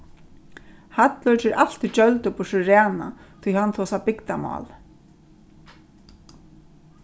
hallur ger altíð gjøldur burtur úr rana tí hann tosar bygdarmál